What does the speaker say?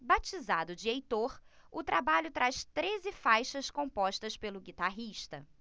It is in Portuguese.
batizado de heitor o trabalho traz treze faixas compostas pelo guitarrista